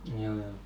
joo joo